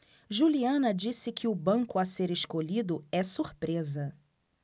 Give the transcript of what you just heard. juliana disse que o banco a ser escolhido é surpresa